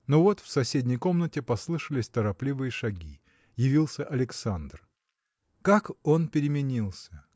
Но вот в соседней комнате послышались торопливые шаги. Явился Александр. Как он переменился!